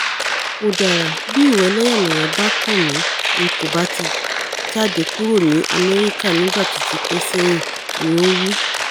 Ó dára, bí ìwà ẹlẹ́yàmẹ̀yà bá kàn mi N kòbá ti jáde kuro ní Amẹrika nígba tótipẹ́ sẹ́yìn,'' ni o wí.